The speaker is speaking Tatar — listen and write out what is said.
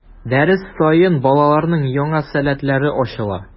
Дәрес саен балаларның яңа сәләтләре ачыла.